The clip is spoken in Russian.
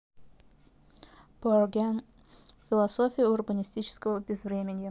purgen философия урбанистического безвременья